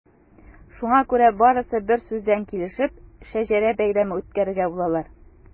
Шуңа күрә барысы берсүздән килешеп “Шәҗәрә бәйрәме” үткәрергә булалар.